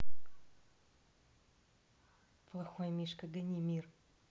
плохой мишка гони мир